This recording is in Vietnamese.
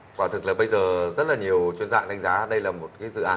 quả thực là bây giờ rất là nhiều chuyên gia cũng đánh giá đây là một cái dự án